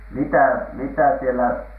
mitä mitä siellä